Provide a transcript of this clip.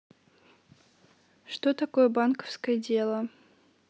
что такое банковское дело